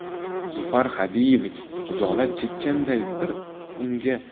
zufar xodiyevich xijolat chekkanday bir unga